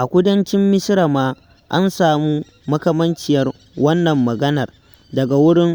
A kudancin Misira ma an samu makamanciyar wannan maganar daga wurin